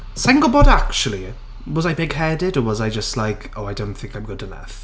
Sa i'n gwbod acshyli. Was I big headed or was I just like "Oh I don't think I'm good enough?"